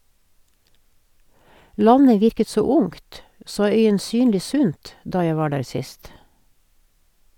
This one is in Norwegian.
Landet virket så ungt, så øyensynlig sunt , da jeg var der sist.